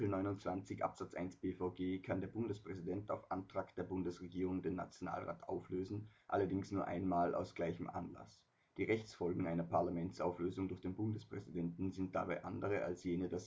29 Abs 1 B-VG kann der Bundespräsident auf Antrag der Bundesregierung den Nationalrat auflösen, allerdings nur einmal aus gleichem Anlass. Die Rechtsfolgen einer Parlamentsauflösung durch den Bundespräsidenten sind dabei andere als jene